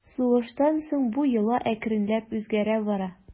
Сугыштан соң бу йола әкренләп үзгәрә бара.